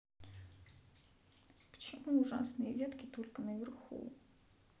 почему ужастные ветки только наверху